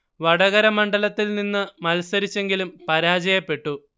വടകര മണ്ഡലത്തിൽ നിന്നു മത്സരിച്ചെങ്കിലും പരാജയപ്പെട്ടു